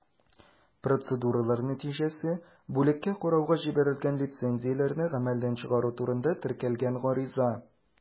Процедуралар нәтиҗәсе: бүлеккә карауга җибәрелгән лицензияләрне гамәлдән чыгару турында теркәлгән гариза.